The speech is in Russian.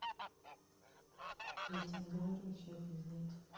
я тебе говорю все пиздец